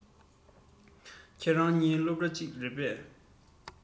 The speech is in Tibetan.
ཁྱེད རང གཉིས སློབ གྲ གཅིག རེད པས